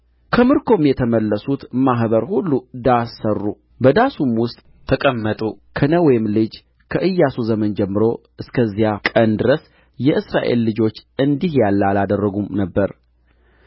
ከምርኮም የተመለሱት ማኅበር ሁሉ ዳስ ሠሩ በዳሱም ውስጥ ተቀመጡ ከነዌም ልጅ ከኢያሱ ዘመን ጀምሮ እስከዚያ ቀን ድረስ የእስራኤል ልጆች እንዲህ ያለ አላደረጉም ነበር